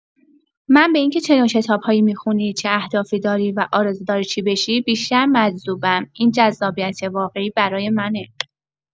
من به اینکه چه نوع کتاب‌هایی می‌خونی، چه اهدافی داری، و آرزو داری چی بشی، بیشتر مجذوبم، این جذابیت واقعی برای منه.